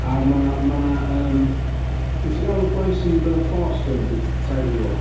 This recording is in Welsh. A mae, mae 'na... Yym be ti'n galw boi sy'n dod â post rownd i tai pobl?